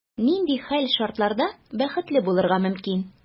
Нинди хәл-шартларда бәхетле булырга мөмкин?